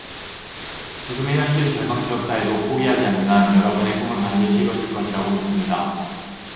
지금의 현실이 절망스럽다 해도 포기하지 않는 한 여러분의 꿈은 반드시 이뤄질 것이라고 믿습니다